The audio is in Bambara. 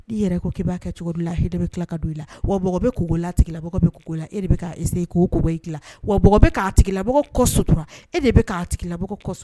Ni yɛrɛ'a kɛ cogo la bɛ ka don i la wagola tigi e wa tigi latura e de tigi lasɔ